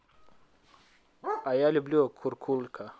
а я люблю куркулька